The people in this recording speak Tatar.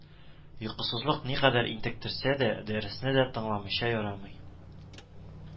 Йокысызлык никадәр интектерсә дә, дәресне дә тыңламыйча ярамый